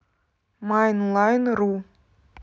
майн лайн ру